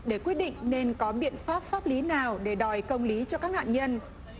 để quyết định nên có biện pháp pháp lý nào để đòi công lý cho các nạn nhân